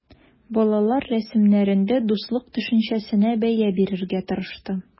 Балалар рәсемнәрендә дуслык төшенчәсенә бәя бирергә тырышты.